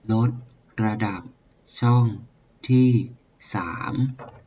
ลดระดับช่องที่สาม